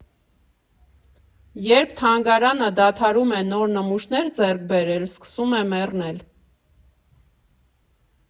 Երբ թանգարանը դադարում է նոր նմուշներ ձեռք բերել, սկսում է մեռնել։